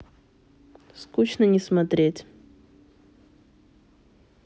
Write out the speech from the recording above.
скучно не смотреть